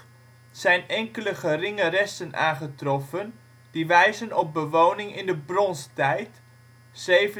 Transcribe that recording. zijn enkele geringe resten aangetroffen die wijzen op bewoning in de Bronstijd (1700-700